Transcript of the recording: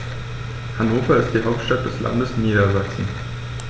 Hannover ist die Hauptstadt des Landes Niedersachsen.